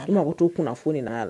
A ko ma ko to kun fo nin nana la